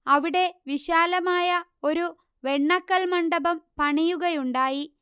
അവിടെ വിശാലമായ ഒരു വെണ്ണക്കൽ മണ്ഡപം പണിയുകയുണ്ടായി